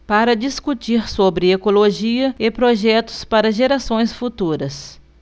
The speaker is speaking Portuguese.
para discutir sobre ecologia e projetos para gerações futuras